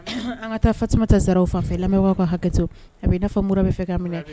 An ka taa fatumata Saraw fan fɛ . Lamɛn bakaw ka hakɛto. A bi na fɔ mura ba fɛ ka n minɛ